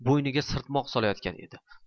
bo'yniga sirtmoq solayotgan edi